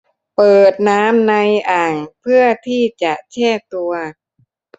เปิดน้ำในอ่างเพื่อที่จะแช่ตัว